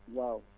waaw